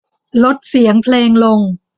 ลดเสียงเพลงลง